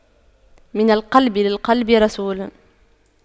من القلب للقلب رسول